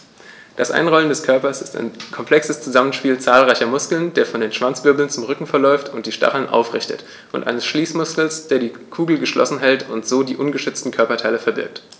Das Einrollen des Körpers ist ein komplexes Zusammenspiel zahlreicher Muskeln, der von den Schwanzwirbeln zum Rücken verläuft und die Stacheln aufrichtet, und eines Schließmuskels, der die Kugel geschlossen hält und so die ungeschützten Körperteile verbirgt.